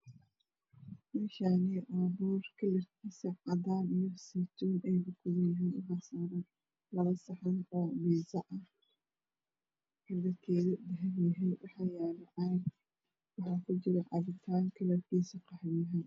Meeshaan waa boor kalarkiisu waa cadaan iyo seytuun. Waxaa kusawiran labo saxan oo biidso ah oo dahabi ah waxaa yaalo caag waxaa kujiro cabitaan qaxwi ah.